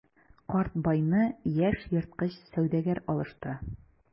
Карт байны яшь ерткыч сәүдәгәр алыштыра.